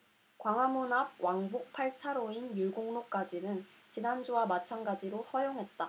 광화문 앞 왕복 팔 차로인 율곡로까지는 지난주와 마찬가지로 허용했다